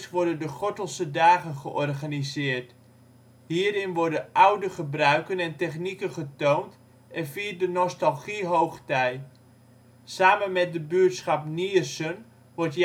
worden de Gortelse dagen georganiseerd. Hierin worden oude gebruiken en technieken getoond en viert de nostalgie hoogtij. Samen met de buurtschap Niersen wordt